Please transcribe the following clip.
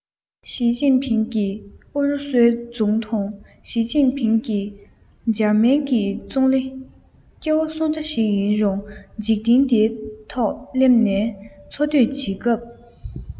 ཞི ཅིན ཕིང གིས ཨུ རུ སུའི ཙུང ཐུང ཞི ཅིན ཕིང གིས འཇར མན གྱི ཙུང ལི སྐྱེ བོ སུ འདྲ ཞིག ཡིན རུང འཇིག རྟེན འདིའི ཐོག སླེབས ནས འཚོ སྡོད བྱེད སྐབས